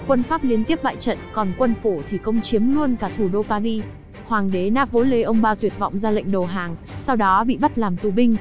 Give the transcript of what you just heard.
quân pháp liên tiếp bại trận còn quân phổ thì công chiếm luôn cả thủ đô paris hoàng đế napoleon iii tuyệt vọng ra lệnh đầu hàng sau đó bị bắt làm tù binh